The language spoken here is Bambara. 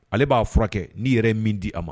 Ale b'a furakɛ n'i yɛrɛ min di a ma